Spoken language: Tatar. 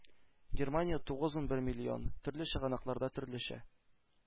Германия – тугыз-унбер миллион төрле чыганакларда төрлечә